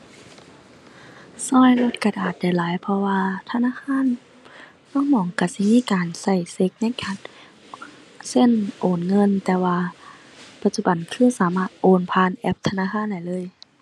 ช่วยลดกระดาษได้หลาย เพราะว่าธนาคารลางหม้องช่วยสิมีการช่วยเช็กในการเซ็นโอนเงินแต่ว่า ปัจจุบันคือสามารถโอนผ่านแอปธนาคารได้เลย